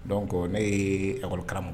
Donc ne yee école karamɔgɔ